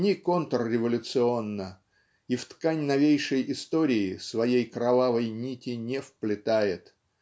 ни контрреволюционно и в ткань новейшей истории своей кровавой нити не вплетает.